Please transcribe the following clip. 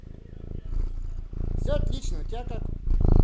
все отлично у тебя как